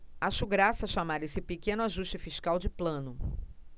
acho graça chamar esse pequeno ajuste fiscal de plano